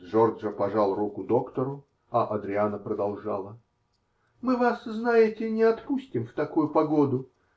Джорджо пожал руку доктору, а Адриана продолжала: -- Мы вас, знаете, не отпустим в такую погоду.